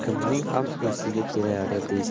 kimning ham esiga kelardi deysiz